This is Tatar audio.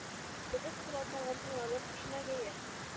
Белеп тора тагын таралып төшмәгәе